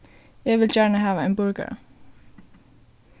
eg vil gjarna hava ein burgara